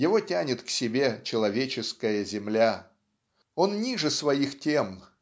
его тянет к себе человеческая земля. Он ниже своих тем